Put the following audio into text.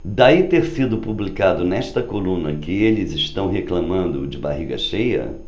daí ter sido publicado nesta coluna que eles reclamando de barriga cheia